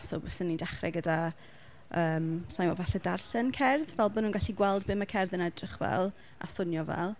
So byswn i'n dechrau gyda yym saimo falle darllen cerdd, fel bod nhw'n gallu gweld be ma' cerdd yn edrych fel a swnio fel.